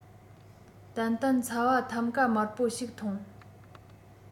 ཏན ཏན ཚ བ ཐམ ཀ དམར པོ ཞིག ཐོན